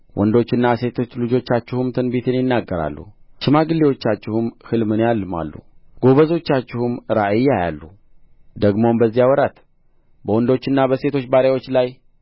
ወንዶችና ሴቶች ልጆቻችሁም ትንቢት ይናገራሉ ሽማግሌዎቻችሁም ሕልምን ያልማሉ ጐበዞቻችሁም ራእይ ያያሉ ደግሞም በዚያ ወራት በወንዶችና በሴቶች ባሪያዎች ላይ